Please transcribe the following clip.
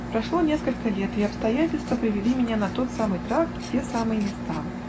Прошло несколько лет, и обстоятельства привели меня на тот самый тракт, в те самые места.